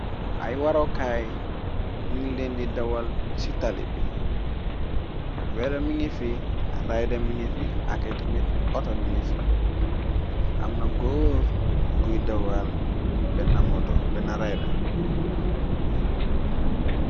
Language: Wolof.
Ay warokaay nyung lendi dawal ci tali bi welo mingi fi rydar mingi fi akati mit ato mingi fi amna góor gui dawal bena moto, benna ryda.